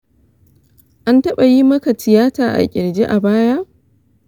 an taɓa yi maka tiyata a ƙirji a baya?